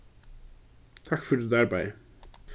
takk fyri títt arbeiði